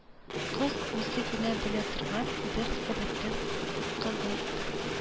Кыз үзе генә белә торган бер сәбәптән кызарды